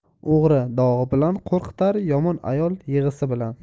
o'g'ri do'qi bilan qo'rqitar yomon ayol yig'isi bilan